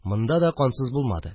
Монда да кансыз булмады